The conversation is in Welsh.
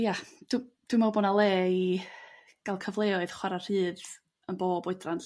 Ia dw dwi me'wl bo' 'na le i i gael cyfleoedd chwara' rhydd yn bob oedran